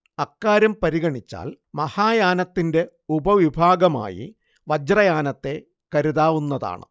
അക്കാര്യം പരിഗണിച്ചാൽ മഹായാനത്തിന്റെ ഉപവിഭാഗമായി വജ്രയാനത്തെ കരുതാവുന്നതാണ്